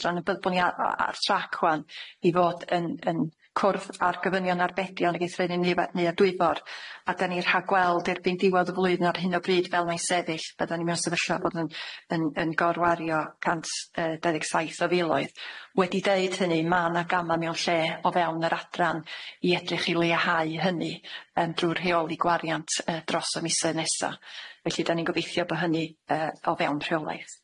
adran y by- bo ni a- a- ar trac ŵan i fod yn yn cwrdd â'r gofynion arbedion ag eithrio Neuadd Dwyfor a 'dan ni rhagweld erbyn diwedd y flwyddyn ar hyn o bryd fel mae'n sefyll byddan ni mewn sefyllfa bod yn yn yn gorwario cant yy dau ddeg saith o filoedd wedi deud hynny ma' 'na gama' mewn lle o fewn yr adran i edrych i leihau hynny yym drw' rheoli gwariant yy dros y misoedd nesa felly 'dan ni'n gobeithio bo hynny yy o fewn rheolaeth.